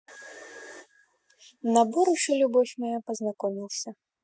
набор еще любовь моя познакомился